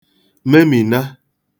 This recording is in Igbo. memìna